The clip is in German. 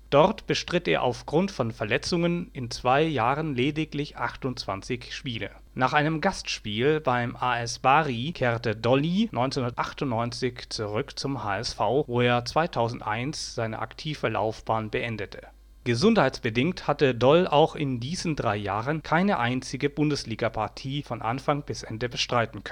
Dort bestritt er aufgrund von Verletzungen in zwei Jahren lediglich 28 Spiele. Nach einem Gastspiel beim AS Bari kehrte „ Dolly” 1998 zum HSV zurück, wo er 2001 seine aktive Laufbahn beendete. Gesundheitsbedingt hatte Doll auch in diesen drei Jahren keine einzige Bundesliga-Partie von Anfang bis Ende bestreiten